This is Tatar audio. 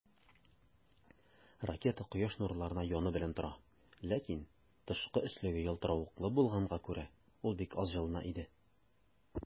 Ракета Кояш нурларына яны белән тора, ләкин тышкы өслеге ялтыравыклы булганга күрә, ул бик аз җылына иде.